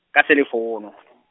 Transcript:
ka selefouno.